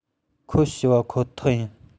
ཁོ ཤེས པ ཁོ ཐག ཡིན